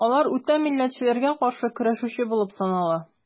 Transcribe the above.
Алар үтә милләтчеләргә каршы көрәшүче булып санала.